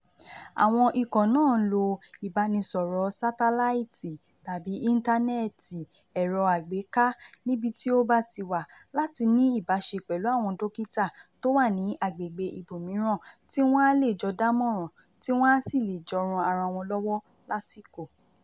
Àwọn ikọ̀ náà ń lo ìbánìsọ̀rọ̀ sátáláìtì tàbí ìńtánẹ́ẹ̀tì/ ẹ̀rọ àgbéká(níbi tií ó bá ti wà) láti ní ìbáṣe pẹ̀lú àwọn dòkítà tó wà ní agbègbè ibòmíràn, tí wọ́n a lè jọ dámọ̀ràn tí wọ́n a sì lè jọ ran ara wọn lọ́wọ́ lásikò.”